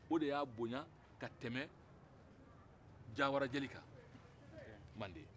o de y'a bonyan ka tɛmɛ jawara jeli kan manden